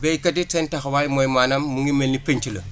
béykat yi seen taxawaay mooy maanaam mu ngi mel ni pénc la